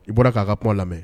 I bɔra k' ka kuma lamɛn